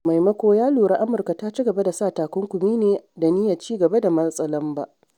A maimaiko, ya lura, Amurka ta ci gaba da sa takunkumi ne da niyyar ci gaba da matsa lamba.